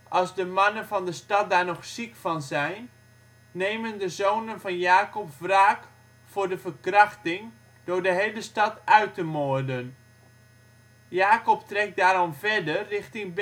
als de mannen van de stad daar nog ziek van zijn - nemen de zonen van Jakob wraak voor de verkrachting door de hele stad uit te moorden. Jakob trekt daarom verder richting